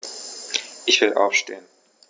Ich will aufstehen.